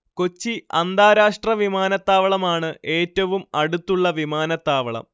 കൊച്ചി അന്താരാഷ്ട്ര വിമാനത്താവളമാണ് ഏറ്റവും അടുത്തുള്ള വിമാനത്താവളം